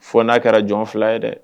Fo n'a kɛra jɔn fila ye dɛ